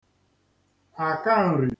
àkanrì